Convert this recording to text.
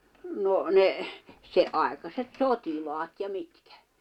no ne se aikaiset sotilaat ja mitkä